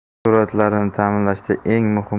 sur'atlarini ta'minlashda eng